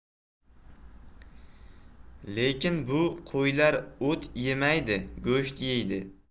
lekin bu qo'ylar o't yemaydi go'sht yeydi